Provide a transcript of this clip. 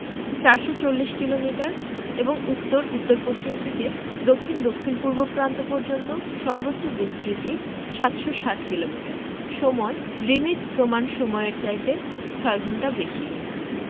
৪৪০ kilometre এবং উত্তর উত্তরপশ্চিম থেকে দক্ষিণ দক্ষিণপূর্ব প্রান্ত পর্যন্ত সর্বোচ্চ বিস্তৃতি ৭৬০ কিলোমিটার সময়ঃ গ্রীনিচ প্রমাণ সমইয়ের চাইতে ৬ ঘন্টা বেশি